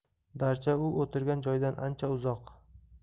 darcha u o'tirgan joydan ancha uzoq